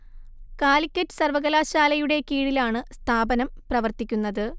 കാലിക്കറ്റ് സർവ്വകലാശാലയുടെ കീഴിലാണ് സ്ഥാപനം പ്രവർത്തിക്കുന്നത്